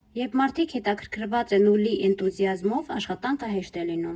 Երբ մարդիկ հետաքրքրված են ու լի էնտուզիազմով, աշխատանքը հեշտ է լինում։